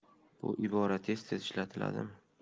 bu ibora tez tez ishlatiladimi